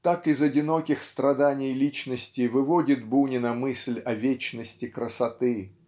Так из одиноких страданий личности выводит Бунина мысль о вечности красоты